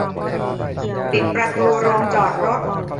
ปิดประตูโรงจอดรถ